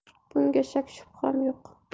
bunga shak shubham yo'q